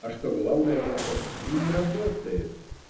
А что главное, он почти не работает.